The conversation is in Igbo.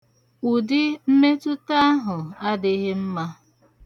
Udi mmetụta ahụ adịghị mma.